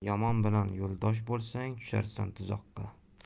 yomon bilan yo'ldosh bo'lsang tusharsan tuzoqqa